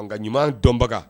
Nka ɲuman dɔnbaga